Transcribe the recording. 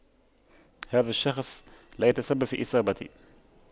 هذا الشخص لا يتسبب في إصابتي